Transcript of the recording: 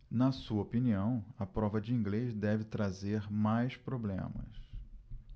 na sua opinião a prova de inglês deve trazer mais problemas